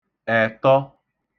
ẹ̀tọ